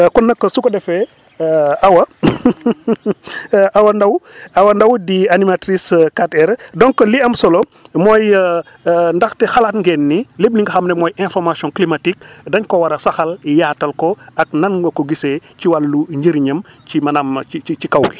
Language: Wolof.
kon nag su ko defee Awa Awa Ndao di animatrice 4R donc li am solo mooy ndaxte xalaat ngeen ne lépp li nga xam ne mooy information climatique dañ ko war a saxal yaatal ko ak nan nga ko gisee ci wàllu njëriñam ci maanaam ci ci kaw gi